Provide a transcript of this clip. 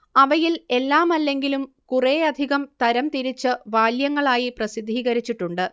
അവയിൽ എല്ലാമല്ലെങ്കിലും കുറേയധികം തരംതിരിച്ച് വാല്യങ്ങളായി പ്രസിദ്ധീകരിച്ചിട്ടുണ്ട്